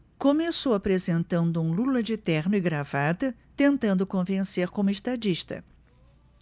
começou apresentando um lula de terno e gravata tentando convencer como estadista